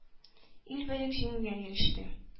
Ил бөек җиңүгә иреште.